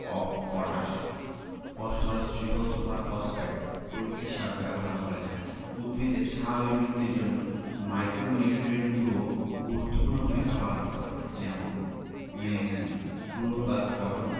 of potash phosphorus triple super phosphate প্রভৃতি সার ব্যবহার করে থাকি উদ্ভিদের স্বাভাবিক বৃদ্ধির জন্য মাইক্রোনিউট্রিয়েন্টগুলোও গুরুত্বপূর্ণ ভূমিকা পালন করে যেমন ম্যাংগানিজ ক্লোরোপ্লাস্ট গঠন